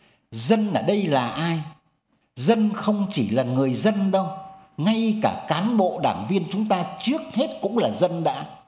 dân ở đây là ai dân không chỉ là người dân đâu ngay cả cán bộ đảng viên chúng ta trước hết cũng là dân đã